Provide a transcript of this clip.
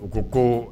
U ko koo